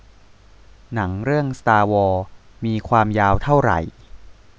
หนังเรื่องสตาร์วอร์มีความยาวเท่าไหร่